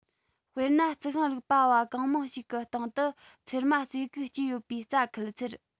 དཔེར ན རྩི ཤིང རིག པ བ གང མང ཞིག སྟེང དུ ཚེར མ རྩེ གུག སྐྱེས ཡོད པའི རྩྭ ཁུལ ཚེར